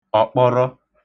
ọ̀kpọrọ